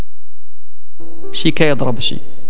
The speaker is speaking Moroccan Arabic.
شيكي يضرب شيء